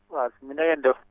waaw sëñ bi na ngeen def